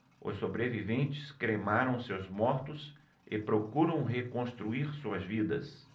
os sobreviventes cremaram seus mortos e procuram reconstruir suas vidas